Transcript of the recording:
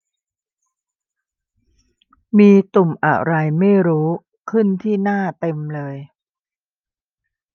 มีตุ่มอะไรไม่รู้ขึ้นที่หน้าเต็มเลย